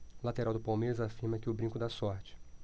o lateral do palmeiras afirma que o brinco dá sorte